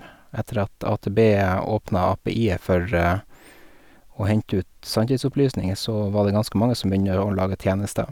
Etter at AtB åpna API-et for å hente ut sanntidsopplysninger, så var det ganske mange som begynner å lage tjenester.